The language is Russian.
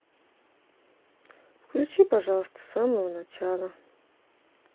включи пожалуйста с самого начала